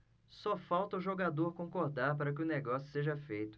só falta o jogador concordar para que o negócio seja feito